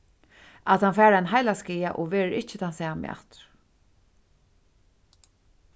at hann fær ein heilaskaða og verður ikki tann sami aftur